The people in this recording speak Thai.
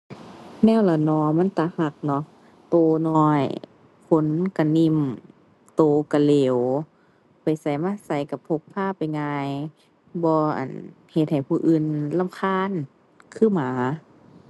แมวล่ะน้อ มันตารักน้อ รักน้อย ขนรักนิ่ม รักรักเหลว ไปไสมาไสรักพกพาไปง่าย บ่ อั่น เฮ็ดให้ผู้อื่นรำคาญคือหมา